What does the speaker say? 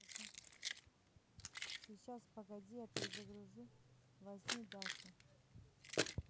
сейчас погоди я перезагружу возьми дашу